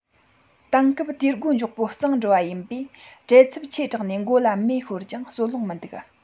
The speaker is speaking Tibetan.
དེང སྐབས དུས སྒོ མགྱོགས པོ གཙང འགྲོ བ ཡིན པས བྲེལ འཚབ ཆེ དྲགས ནས མགོ ལ མེ ཤོར ཀྱང གསོད ལོང མི འདུག